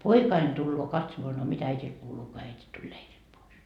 poikani tulee katsomaan no mitä äidille kuuluu kun äiti tuli leiriltä pois